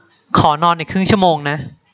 ขอนอนอีกครึ่งชั่วโมงนะ